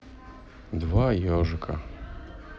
два ежика